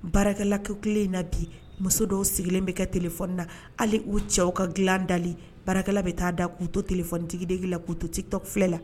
Baarakɛlalakɛ kelen in na bi muso dɔw sigilen bɛ kɛ t-da hali u cɛw ka dilan da baarakɛla bɛ taa da k'utu tele-tigide la'tutigitɔ filɛ la